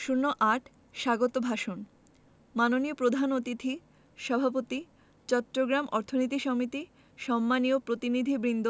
০৮ স্বাগত ভাষণ মাননীয় প্রধান অতিথি সভাপতি চট্টগ্রাম অর্থনীতি সমিতি সম্মানীয় প্রতিনিধিবৃন্দ